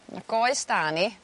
Ma' goes 'da ni